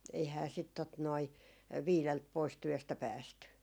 eihän sitten tuota noin viideltä pois työstä päästy